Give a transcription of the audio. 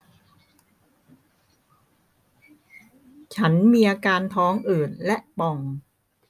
ฉันมีอาการท้องอืดและป่อง